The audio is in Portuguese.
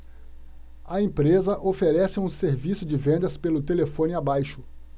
a empresa oferece um serviço de vendas pelo telefone abaixo